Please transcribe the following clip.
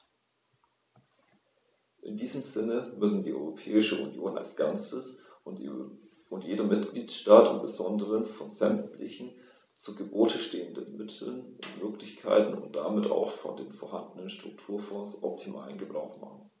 In diesem Sinne müssen die Europäische Union als Ganzes und jeder Mitgliedstaat im besonderen von sämtlichen zu Gebote stehenden Mitteln und Möglichkeiten und damit auch von den vorhandenen Strukturfonds optimalen Gebrauch machen.